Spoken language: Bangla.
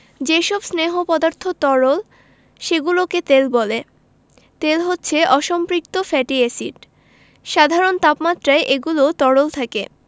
যেসব স্নেহ পদার্থ তরল সেগুলোকে তেল বলে তেল হচ্ছে অসম্পৃক্ত ফ্যাটি এসিড সাধারণ তাপমাত্রায় এগুলো তরল থাকে